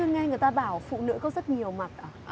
chưa nghe người ta bảo phụ nữ có rất nhiều mặt à